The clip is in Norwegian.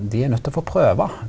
dei er nøydt til å få prøva.